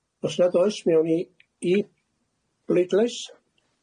Os nad oes mi awni i bleidlais.